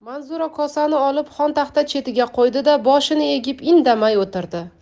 manzura kosani olib xontaxta chetiga qo'ydi da boshini egib indamay o'tirdi